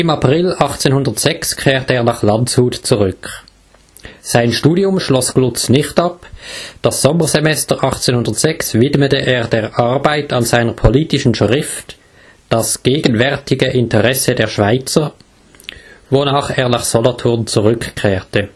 April 1806 kehrte er nach Landshut zurück. Sein Studium schloss Glutz nicht ab; das Sommersemester 1806 widmete er der Arbeit an seiner politischen Schrift Das gegenwärtige Interesse der Schweizer, wonach er nach Solothurn zurückkehrte